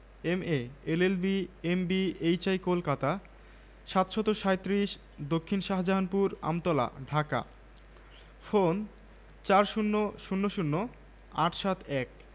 cancer gastric মুত্রপাথড়ী পিত্তপাথড়ী অম্লশূল পিত্তশূল লিউকেরিয়া প্রভৃতি রোগের চিকিৎসা অতি যত্নের সহিত করা হয় ডাঃ A B M Kabil Ahmed M A L